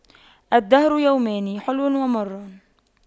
الدهر يومان حلو ومر